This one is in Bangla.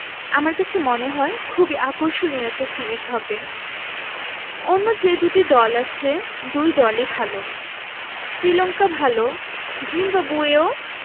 আমার কাছে মনে হয় খুবই আকর্ষণীয় একটা সিরিজ হবে অন্য যে দুটি দল আছে দুই দলই ভালো শ্রীলঙ্কা ভালো জিম্বাবুয়েও